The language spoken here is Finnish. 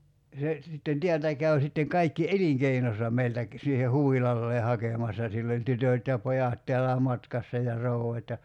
se sitten täältä kävi sitten kaikki elinkeinonsa meiltä - siihen huvilalleen hakemassa sillä oli tytöt ja pojat täälläkin matkassa ja rouvat ja